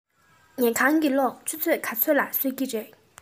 ཉལ ཁང གི གློག ཆུ ཚོད ག ཚོད ལ གསོད ཀྱི རེད